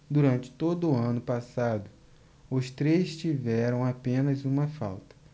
durante todo o ano passado os três tiveram apenas uma falta